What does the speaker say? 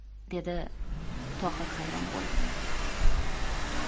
dedi tohir hayron bo'lib